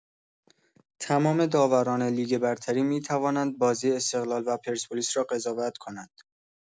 تمام داوران لیگ برتری می‌توانند بازی استقلال و پرسپولیس را قضاوت کنند.